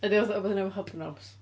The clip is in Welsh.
Ydy o fatha wbeth i wneud efo Hobnobs.